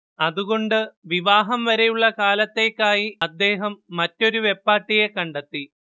അതുകൊണ്ട് വിവാഹം വരെയുള്ള കാലത്തേയ്ക്കായി അദ്ദേഹം മറ്റൊരു വെപ്പാട്ടിയെ കണ്ടെത്തി